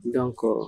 ' kɔrɔ